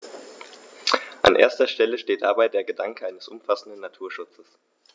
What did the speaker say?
An erster Stelle steht dabei der Gedanke eines umfassenden Naturschutzes.